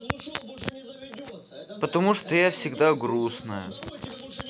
потому я всегда грустная